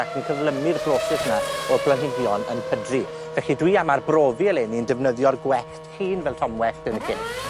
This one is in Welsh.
ac yn cyflymu'r broses 'na o'r blanhigion yn pydru. Felly, dwi am arbrofi eleni yn defnyddio'r gwellt llin fel tomwellt yn lle.